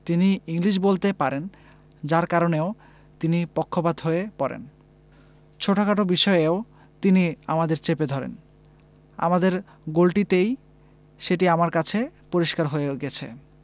তিনি ইংলিশ বলতে পারেন যার কারণেও তিনি পক্ষপাত হয়ে পড়েন ছোটখাট বিষয়েও তিনি আমাদের চেপে ধরেন আমাদের গোলটিতেই সেটি আমার কাছে পরিস্কার হয়ে গেছে